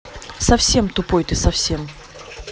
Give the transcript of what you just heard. совсем тупой ты совсем